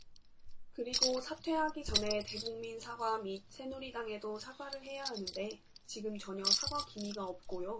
그리고 사퇴하기 전에 대국민 사과 밑 새누리당에도 사과를 해야 하는데 지금 전혀 사과 기미가 없고요